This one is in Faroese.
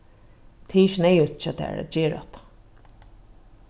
tað er ikki neyðugt hjá tær at gera hatta